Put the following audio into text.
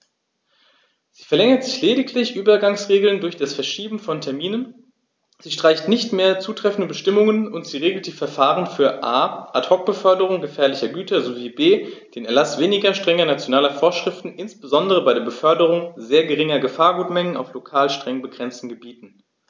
Sie verlängert lediglich Übergangsregeln durch das Verschieben von Terminen, sie streicht nicht mehr zutreffende Bestimmungen, und sie regelt die Verfahren für a) Ad hoc-Beförderungen gefährlicher Güter sowie b) den Erlaß weniger strenger nationaler Vorschriften, insbesondere bei der Beförderung sehr geringer Gefahrgutmengen auf lokal streng begrenzten Gebieten.